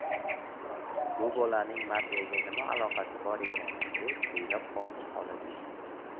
bu bolaning mafiyaga nima aloqasi bor ekan deb o'ylab qoldi xolidiy